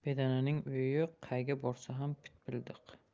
bedananing uyi yo'q qayga borsa bitbildiq